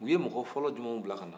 u ye mɔgɔ fɔlɔ jumɛnw bila ka na